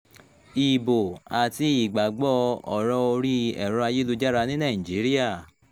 Ìbò àti ìgbàgbọ́ ọ̀rọ̀ orí ẹ̀rọ ayélujára ní Nàìjíríà